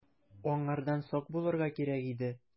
Аңардан сак булырга кирәк иде.